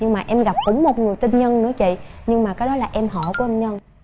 nhưng mà em gặp cũng một người tên nhân nữa chị nhưng mà cái đó là em họ của anh nhân